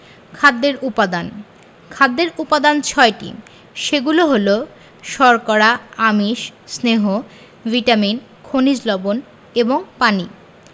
খাদ্যের উপাদান খাদ্যের উপাদান ছয়টি সেগুলো হলো শর্করা আমিষ স্নেহ ভিটামিন খনিজ লবন এবং পানি